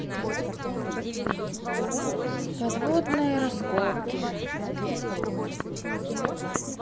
подводные раскопки